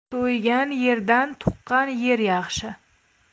to'ygan yerdan tuqqan yer yaxshi